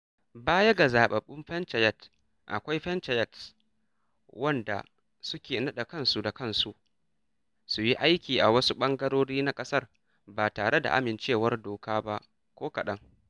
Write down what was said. Baya ga zaɓaɓɓun Panchayat, akwai Panchayats da suke naɗa kansu da kansu su yi aiki a wasu ɓangarori na ƙasar ba tare da amincewar doka ba ko kaɗan.